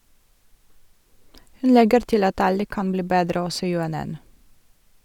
Hun legger til at alle kan bli bedre, også UNN.